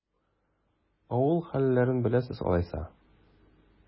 Авыл хәлләрен беләсез алайса?